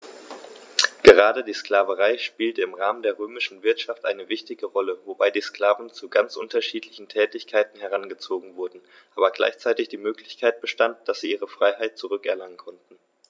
Gerade die Sklaverei spielte im Rahmen der römischen Wirtschaft eine wichtige Rolle, wobei die Sklaven zu ganz unterschiedlichen Tätigkeiten herangezogen wurden, aber gleichzeitig die Möglichkeit bestand, dass sie ihre Freiheit zurück erlangen konnten.